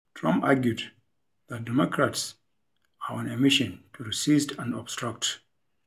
Trump argued that Democrats are on a mission to "resist and obstruct."